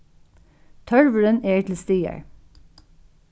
tørvurin er til staðar